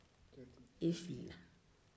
i filila